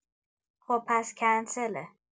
خب پس کنسله